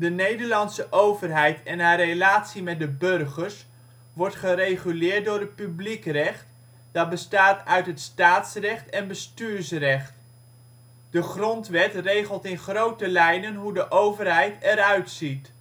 Nederlandse overheid en haar relatie met de burgers wordt gereguleerd door het publiekrecht, dat bestaat uit het staatsrecht en bestuursrecht. De Grondwet regelt in grote lijnen hoe de overheid eruit ziet